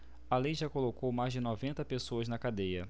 a lei já colocou mais de noventa pessoas na cadeia